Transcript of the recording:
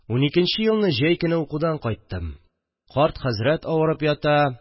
– уникенче елны җәй көне укудан кайттым, карт хәзрәт авырып ята